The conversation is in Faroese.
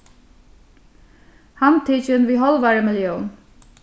handtikin við hálvari millión